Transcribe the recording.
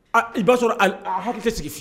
A i b'a sɔrɔ a a hakili tɛ sigi f